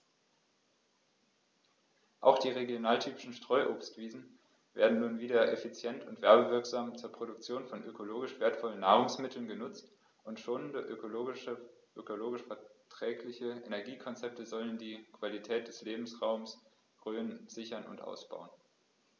Auch die regionaltypischen Streuobstwiesen werden nun wieder effizient und werbewirksam zur Produktion von ökologisch wertvollen Nahrungsmitteln genutzt, und schonende, ökologisch verträgliche Energiekonzepte sollen die Qualität des Lebensraumes Rhön sichern und ausbauen.